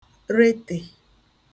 retè